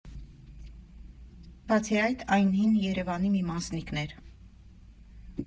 Բացի այդ, այն հին Երևանի մի մասնիկն էր։